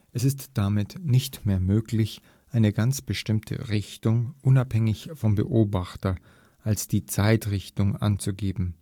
ist damit nicht mehr möglich, eine ganz bestimmte Richtung unabhängig vom Beobachter als die Zeitrichtung anzugeben